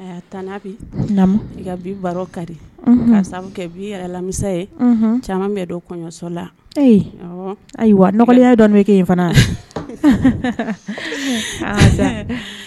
' bi i bi baro ka dimisa ye caman min don kɔɲɔso la ayi ayiwa n nɔgɔkɔliya dɔ bɛ kɛ yen fana